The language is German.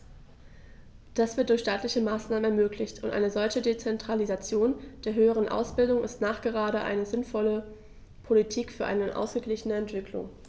Das wird durch staatliche Maßnahmen ermöglicht, und eine solche Dezentralisation der höheren Ausbildung ist nachgerade eine sinnvolle Politik für eine ausgeglichene Entwicklung.